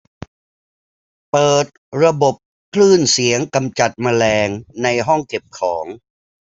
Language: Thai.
เปิดระบบคลื่นเสียงกำจัดแมลงในห้องเก็บของ